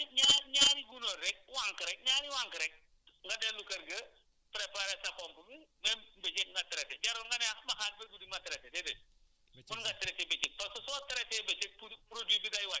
da ngay def ndànk ngay xool soo gisee ñaari ñaar ñaari gunóor rek wànq rek ñaari wànq rek nga dellu kër ga préparer sa pompe même nga jël nga traiter jarul nga ne ma xaar ba guddi ma traiter déedéet